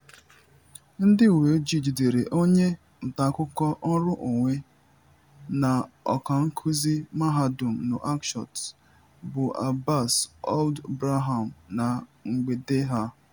Ndị uwe ojii jidere onye ntaakụkọ ọrụnonwe na Ọkankuzi Mahadum Nouakchott bụ Abbass Ould Braham na mgbede a.